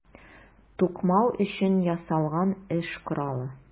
Тукмау өчен ясалган эш коралы.